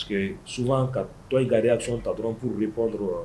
Parce que su ka tɔn gariya sɔn ta dɔrɔn furu bɛ panɔn dɔrɔn la